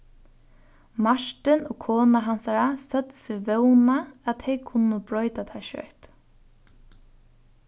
martin og kona hansara søgdu seg vóna at tey kunnu broyta tað skjótt